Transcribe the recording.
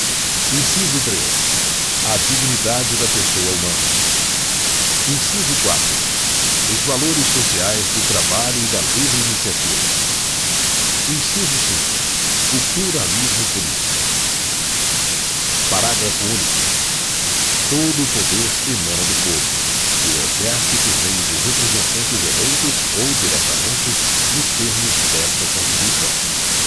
inciso três a dignidade da pessoa humana inciso quatro os valores sociais do trabalho e da livre iniciativa inciso cinco o pluralismo político parágrafo único todo o poder emana do povo que o exerce por meio de representantes eleitos ou diretamente nos termos desta constituição